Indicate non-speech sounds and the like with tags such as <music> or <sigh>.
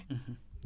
<hesitation> <hesitation>